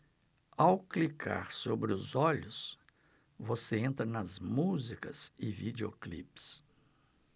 ao clicar sobre os olhos você entra nas músicas e videoclipes